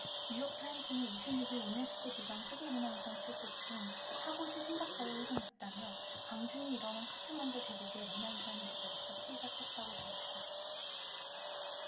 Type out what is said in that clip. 뉴욕타임스는 이십 육 일 유네스코 지정 세계문화유산 칠 곳 중 사 곳이 심각하게 훼손됐다며 강진이 일어난 카트만두 계곡에 문화유산이 몰려 있어 피해가 컸다고 전했다